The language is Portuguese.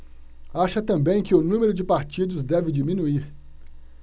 acha também que o número de partidos deve diminuir